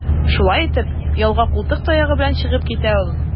Шулай итеп, ялга култык таягы белән чыгып китә ул.